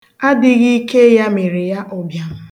Adịghike ya mere ya ụbịam